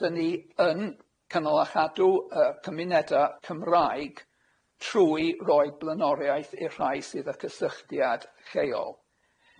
Yy 'dyn ni yn cynnal a chadw yy cymuneda Cymraeg trwy roi blaenoriaeth i'r rhai sydd â cysylltiad lleol.